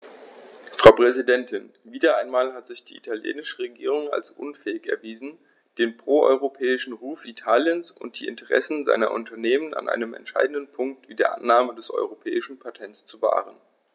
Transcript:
Frau Präsidentin, wieder einmal hat sich die italienische Regierung als unfähig erwiesen, den pro-europäischen Ruf Italiens und die Interessen seiner Unternehmen an einem entscheidenden Punkt wie der Annahme des europäischen Patents zu wahren.